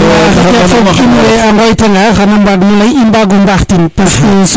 xaƴa fog in we a ŋoy tanga xana mbag no ley i mbago mbaaxtin parce que